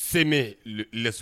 Semɛ le